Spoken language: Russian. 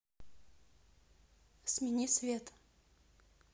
смени свет